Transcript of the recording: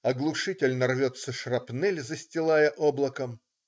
Оглушительно рвется шрапнель, застилая облаком.